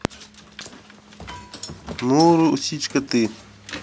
ну русичка ты